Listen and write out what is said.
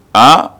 Han?